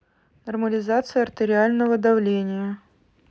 нормализация артериального давления